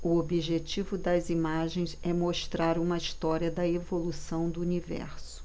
o objetivo das imagens é mostrar uma história da evolução do universo